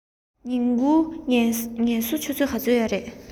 ཉིན གུང ངལ གསོ ཆུ ཚོད ག ཚོད ཡོད རས